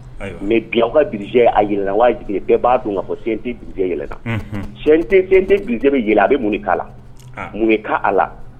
Mɛ bila ka bilisijɛ a bɛɛ b'a don fɔ sinjɛ yɛlɛ bilisijɛ bɛ yɛlɛ a bɛ mun la munka a la